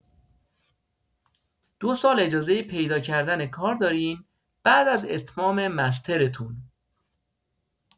دو سال اجازه پیدا کردن کار دارین بعد از اتمام مسترتون.